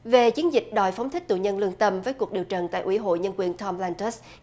về chiến dịch đòi phóng thích tù nhân lương tâm với cuộc điều trần tại ủy hội nhân quyền tom le thớt